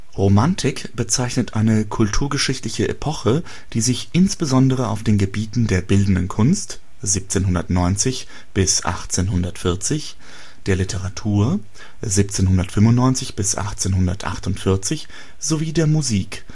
Romantik bezeichnet eine kulturgeschichtliche Epoche, die sich insbesondere auf den Gebieten der bildenden Kunst (1790 – 1840), der Literatur (1795 – 1848) sowie der Musik